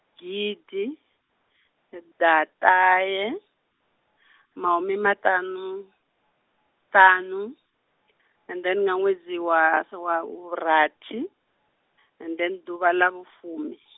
gidiḓaṱahefuṱhanu, ṱanu, and then nga ṅwedzi wa vhurathi, and then ḓuvha ḽa vhufumi.